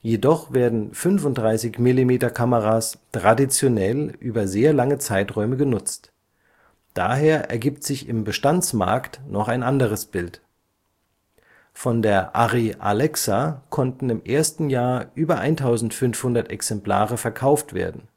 Jedoch werden 35-mm-Kameras traditionell über sehr lange Zeiträume genutzt. Daher ergibt sich im Bestandsmarkt noch ein anderes Bild. Von der Arri Alexa konnten im ersten Jahr über 1500 Exemplare verkauft werden,